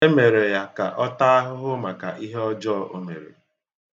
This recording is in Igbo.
E mere ya ka ọ taa ahụhụ maka ihe ọjọọ o mere.